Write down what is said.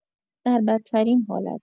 در بدترین حالت